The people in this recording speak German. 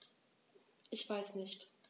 Ich weiß nicht.